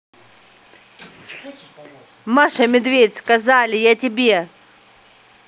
маша медведь сказали я тебе